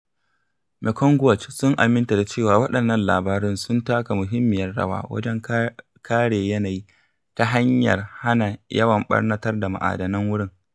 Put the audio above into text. Mekong Watch sun aminta da cewa waɗannan labaran "sun taka muhimmiyar rawa wajen kare yanayi ta hanyar hana yawan ɓarnatar da ma'adanan wurin."